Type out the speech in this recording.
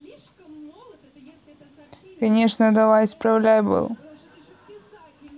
конечно давай исправляй был